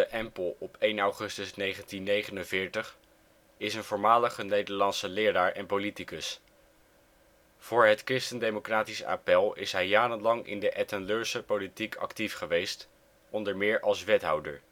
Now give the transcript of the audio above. Empel, 1 augustus 1949) is een voormalige Nederlandse leraar en politicus. Voor het Christen-Democratisch Appèl (CDA) is hij jarenlang in de Etten-Leurse politiek actief geweest, onder meer als wethouder